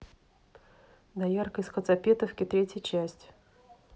доярка из хацапетовки третья часть